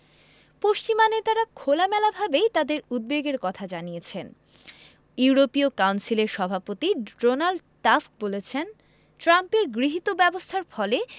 পশ্চিমা নেতারা খোলামেলাভাবেই তাঁদের উদ্বেগের কথা জানিয়েছেন ইউরোপীয় কাউন্সিলের সভাপতি ডোনাল্ড টাস্ক বলেছেন ট্রাম্পের গৃহীত ব্যবস্থার ফলে